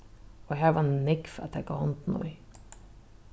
og har var nógv at taka hondina í